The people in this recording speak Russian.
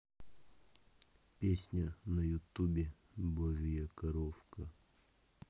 песня в ютубе божья коровка